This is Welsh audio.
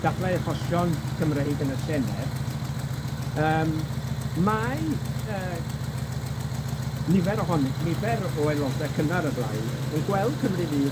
dadlau achosion Cymreig yn y Senedd, yym mae yy nifer ohon- nifer o aelode cynnar y blaid yn gweld Cymru Fydd